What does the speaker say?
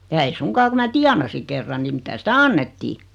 ja ei suinkaan kun minä tienasin kerran niin mitä sitä annettiin